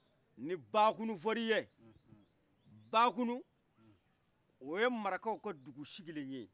ni bakunu fɔr'iye bakunu oye marakaw ka dugu sigilenye